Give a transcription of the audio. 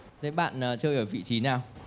thế bạn à chơi ở vị trí nào